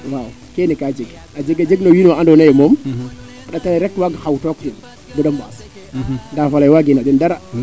waaw keene kaa jeg a jega jeg no wiin waa ando naye moom a ndata le rek waag xaw toog den bata mbaas nda faley waage na den dara